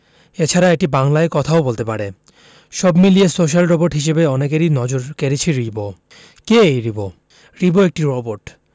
এছাড়া এটি বাংলায় কথাও বলতে পারে সব মিলিয়ে সোশ্যাল রোবট হিসেবে অনেকেরই নজর কেড়েছে রিবো কে এই রিবো রিবো একটা রোবট